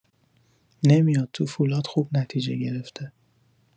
نمیاد تو فولاد خوب نتیجه گرفته